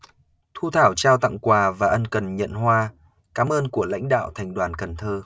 thu thảo trao tặng quà và ân cần nhận hoa cám ơn của lãnh đạo thành đoàn cần thơ